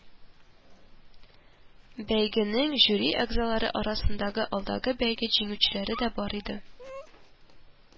Бәйгенең жюри әгъзалары арасында алдагы бәйге җиңүчеләре дә бар иде